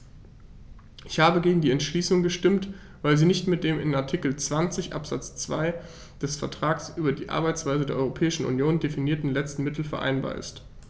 Ich habe gegen die Entschließung gestimmt, weil sie nicht mit dem in Artikel 20 Absatz 2 des Vertrags über die Arbeitsweise der Europäischen Union definierten letzten Mittel vereinbar ist.